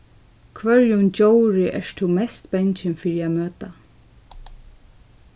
hvørjum djóri ert tú mest bangin fyri at møta